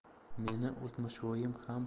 meni oltmishvoyim ham